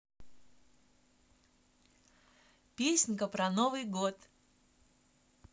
песенка про новый год